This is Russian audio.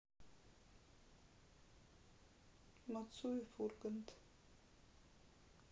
мацуев ургант